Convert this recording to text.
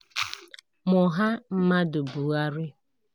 Muhammadu Buhari